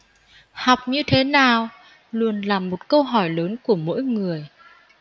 học như thế nào luôn là một câu hỏi lớn của mỗi người